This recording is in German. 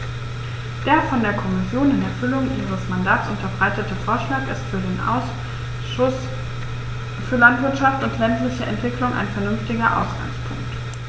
Der von der Kommission in Erfüllung ihres Mandats unterbreitete Vorschlag ist für den Ausschuss für Landwirtschaft und ländliche Entwicklung ein vernünftiger Ausgangspunkt.